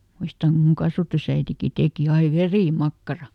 muistan kun minun kasvatusäitikin teki aina verimakkaraa